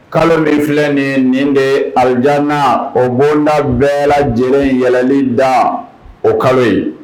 Kalo min filɛ nin ye nin de ye alijana o bonda bɛɛ lajɛlen yɛlɛli da o kalo ye